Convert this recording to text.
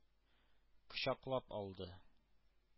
Кочаклап алды.